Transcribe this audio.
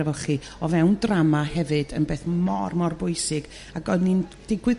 efo chi o fewn drama hefyd yn beth mor mor bwysig ac o'dd ni'n digwydd